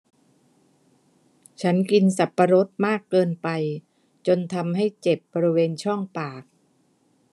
ฉันกินสับปะรดมากเกินไปจนทำให้เจ็บบริเวณช่องปาก